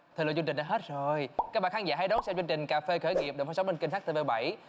thời lượng chương trình đã hết rồi các bạn khán giả hãy đón xem chương trình cà phê khởi nghiệp được phát sóng trên kênh hắt tê vê bảy